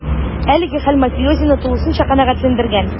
Әлеге хәл мафиозины тулысынча канәгатьләндергән: